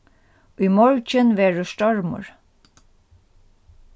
í morgin verður stormur